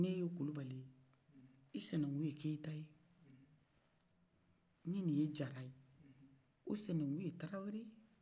ne ye kulibaliye i sinankun ye keyita ni n'ye jara ye o sinankun ye trawere ye